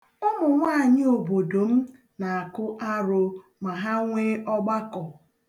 Ụmụnwaanyị obodo m na-akụ aro ma ha nwee ọgbakọ.